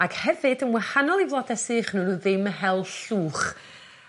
ac hefyd yn wahanol i flode sych n'w' n'w ddim hel llwch.